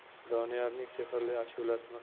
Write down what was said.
doniyorning sehrli ashulasini